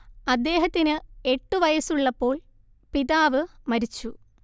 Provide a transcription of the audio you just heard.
അദ്ദേഹത്തിന്‌ എട്ടു വയസ്സുള്ളപ്പോൾ പിതാവ് മരിച്ചു